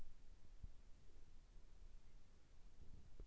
убить ходить